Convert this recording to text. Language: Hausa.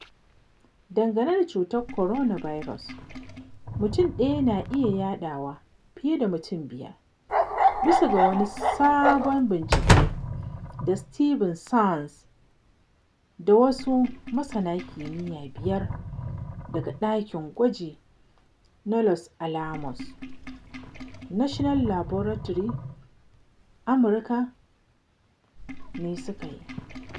Dangane da cutar coronavirus, mutum ɗaya na iya yaɗa wa fiye da mutane biyar, bisa ga wani sabon bincike da Steven Sanche da wasu masana kimiyya biyar daga ɗakin gwajin na Los Alamos National Laboratory, Amurka ne suka yi.